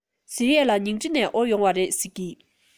ཟེར ཡས ལ ཉིང ཁྲི ནས དབོར ཡོང བ རེད ཟེར གྱིས